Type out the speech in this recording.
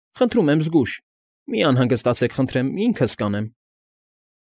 ֊ Խնդրում եմ զգույշ։ Մի՜ անհանգստացեք, խնդրեմ, ինքս կանեմ։